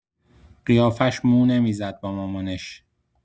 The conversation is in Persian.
قیافش مو نمی‌زد با مامانش